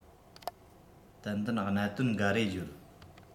ཏན ཏན གནད དོན འགའ རེ བརྗོད